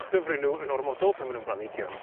dyfru n'w yn ormodol pan ma' nw'n blanhigion